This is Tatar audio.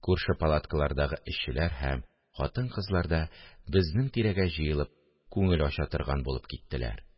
Күрше палаткалардагы эшчеләр һәм хатын-кызлар да безнең тирәгә җыелып, күңел ача торган булып киттеләр